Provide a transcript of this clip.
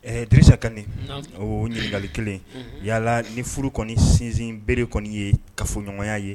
Ɛɛ desa ka o ɲininkakali kelen yalala ni furu kɔni sinsin bereere kɔni ye kafoɲɔgɔnya ye